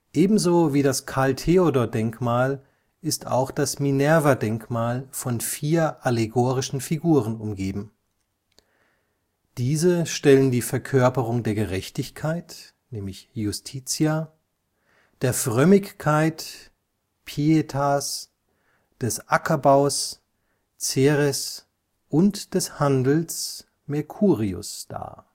Ebenso wie das Karl-Theodor-Denkmal ist auch das Minerva-Denkmal von vier allegorischen Figuren umgeben. Diese stellen die Verkörperungen der Gerechtigkeit (Iustitia), der Frömmigkeit (Pietas), des Ackerbaus (Ceres) und des Handels (Mercurius) dar